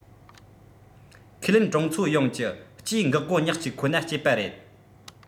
ཁས ལེན གྲོང ཚོ ཡོངས ཀྱི སྤྱིའི འགག སྒོ ཉག གཅིག ཁོ ན སྤྱད པ རེད